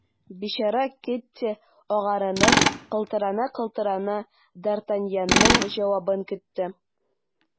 Бичара Кэтти, агарынып, калтырана-калтырана, д’Артаньянның җавабын көтте.